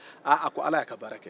a ko ala y'a ka baara kɛ